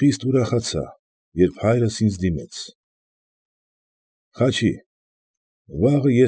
Սրա և։